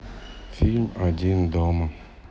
фильм один дома